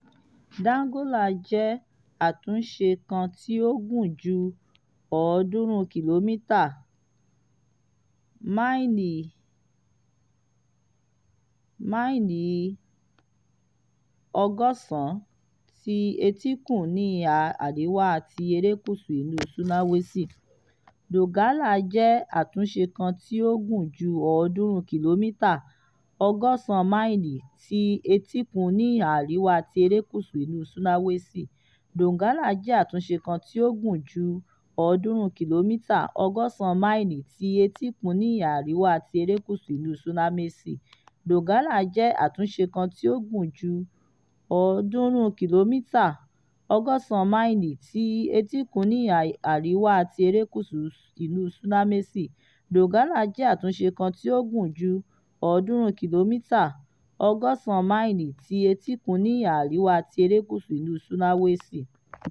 Donggala jẹ́ àtúnṣe kan tí ó gùn ju 300 km (180 máìlì) ti etíkun ní ihà àríwá ti erékùṣú ìlú Sulawesi.